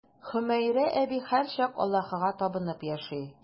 Хөмәйрә әби һәрчак Аллаһыга табынып яши.